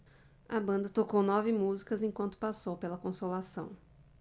a banda tocou nove músicas enquanto passou pela consolação